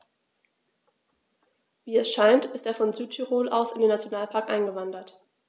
Wie es scheint, ist er von Südtirol aus in den Nationalpark eingewandert.